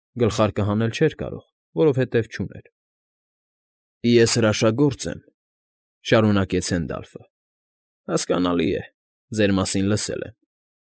Գլխարկը հանել չէր կարող, որովհետև չուներ։ ֊ Ես հրաշագործ եմ,֊ շարունակեց Հենդալֆը։֊ հասկանալի է, ձեր մասին լսել եմ։